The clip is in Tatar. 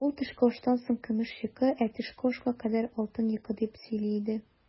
Ул, төшке аштан соң көмеш йокы, ә төшке ашка кадәр алтын йокы, дип сөйли иде.